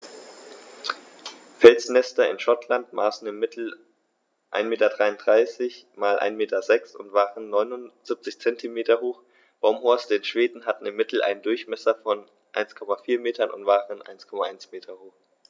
Felsnester in Schottland maßen im Mittel 1,33 m x 1,06 m und waren 0,79 m hoch, Baumhorste in Schweden hatten im Mittel einen Durchmesser von 1,4 m und waren 1,1 m hoch.